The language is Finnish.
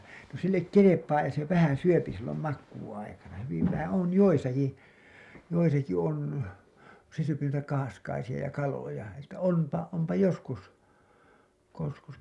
no sille kelpaa ja se vähän syö silloin makuuaikana hyvin vähän on joissakin joissakin on kun se syö noita kahaskaisia ja kaloja että onpa onpa joskus kun joskus